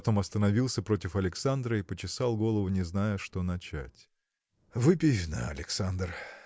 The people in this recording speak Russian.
потом остановился против Александра и почесал голову не зная что начать. – Выпей вина Александр